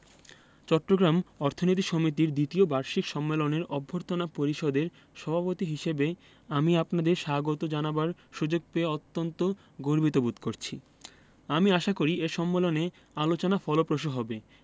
চট্টগ্রাম অর্থনীতি সমিতির দ্বিতীয় বার্ষিক সম্মেলনের অভ্যর্থনা পরিষদের সভাপতি হিসেবে আমি আপনাদের স্বাগত জানাবার সুযোগ পেয়ে অত্যন্ত গর্বিত বোধ করছি আমি আশা করি এ সম্মেলনে আলোচনা ফলপ্রসূ হবে